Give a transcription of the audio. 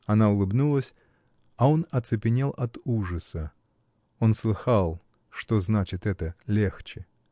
Она улыбнулась, а он оцепенел от ужаса: он слыхал, что значит это “легче”.